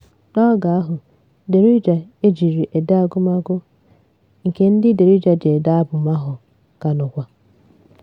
N'oge ahụ, Derija ejiri ede agụmagụ, nke ndị Darija ji ede abụ Malhoun, ka nọkwa ya.